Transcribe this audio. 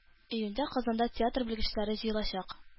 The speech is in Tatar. Июньдә Казанда театр белгечләре җыелачак